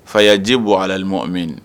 Fa ji bɔ ala min